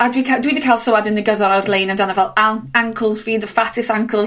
a dwi ca- dwi 'di ca'l sylwade negydd ar-lein amdano fel an- ankles fi, *the fattest ankles